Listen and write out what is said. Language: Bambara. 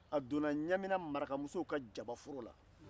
a donna ɲamina marakamusow ka jaba feere la